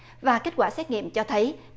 và kết quả xét nghiểm cho thấy